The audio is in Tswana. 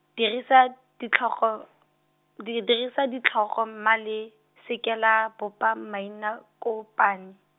dirisa ditlhogo , di dirisa ditlhogo, mma le, seka la bopa mainakopani.